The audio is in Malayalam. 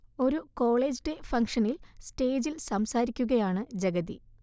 ഒരു കോളേജ് ഡേ ഫംഗ്ഷനിൽ സ്റ്റേജിൽ സംസാരിക്കുകയാണ് ജഗതി